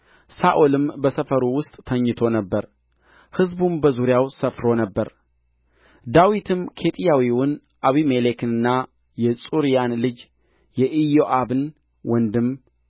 ሳኦልም በሰፈሩ ውስጥ ተኝቶ ነበር ሕዝቡም በዙሪያው ሰፍሮ ነበር ዳዊትም ኬጢያዊውን አቢሜሌክንና የጽሩያን ልጅ የኢዮአብን ወንድም